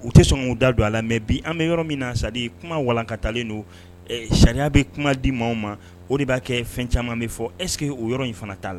U tɛ sɔn k' da don a la mɛ bi an bɛ yɔrɔ min na sadi kuma walanka taalen don sariya bɛ kuma di maaw ma o de b'a kɛ fɛn caman bɛ fɔ essekeke o yɔrɔ in fana t'a la